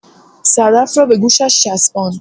صدف را به گوشش چسباند.